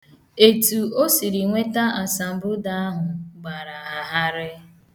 Etu o siri nweta asambodo ahụ gbara ha gharịị.